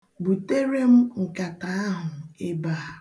Butere m nkata ahụ ebe a.